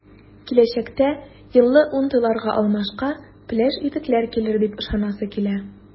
Киләчәктә “йонлы” унтыларга алмашка “пеләш” итекләр килер дип ышанасы килә.